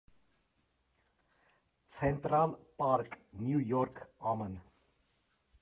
Ցենտրալ պարկ, Նյու Յորք, ԱՄՆ։